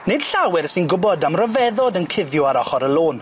Nid llawer sy'n gwbod am ryfeddod yn cuddio ar ochor y lôn.